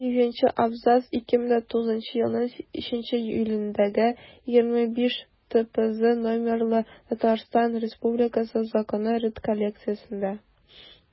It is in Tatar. Сигезенче абзац 2009 елның 3 июлендәге 25-ТРЗ номерлы Татарстан Республикасы Законы редакциясендә.